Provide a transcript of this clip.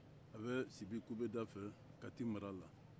a bɛ sibi kubeda fɛ kati mara la